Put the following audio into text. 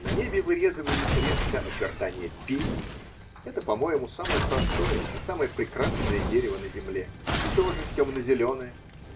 на небе вырезывались резко очертания пиний -- это, по моему, самое простое и самое прекрасное дерево на земле, и тоже темно-зеленое